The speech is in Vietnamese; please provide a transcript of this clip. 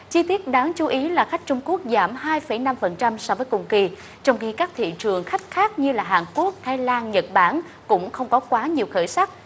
chi tít đáng chú ý là khách trung quốc giảm hai phẩy năm phần trăm so với cùng kỳ trong khi các thị trừng khách khác như là hàn quốc thái lan nhật bản cũng không có quá nhìu khởi sắc